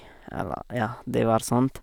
jeg var Ja, det var sånt.